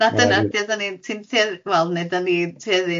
Na dyna ydio, da ni'n ti'n tuedd- wel ne da ni'n tueddu i wneud petha